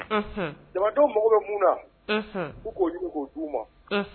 Jamadenw mako bɛ mun na u k'o' d' u ma